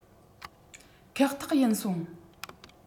ཁེག ཐེག ཡིན སོང